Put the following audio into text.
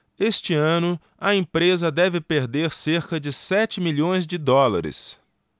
este ano a empresa deve perder cerca de sete milhões de dólares